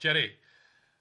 Jerry?